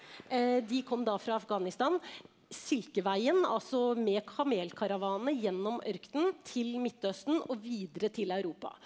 de kom da fra Afghanistan, silkeveien altså med kamelkaravane gjennom ørkenen til Midtøsten og videre til Europa.